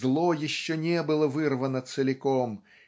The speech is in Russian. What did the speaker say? зло еще не было вырвано целиком.